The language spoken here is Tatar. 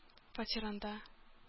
Фатирында